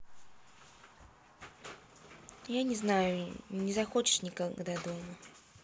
я не знаю не захочешь никогда дома